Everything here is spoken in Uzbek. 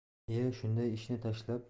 ie shunday ishni tashlab